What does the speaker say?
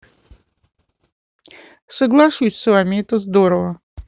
соглашусь с вами это здорово